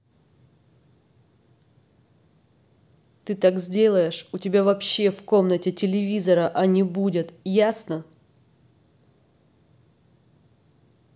ты так сделаешь у тебя вообще в комнате телевизора а не будет ясно